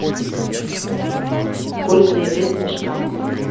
польза и вред снежка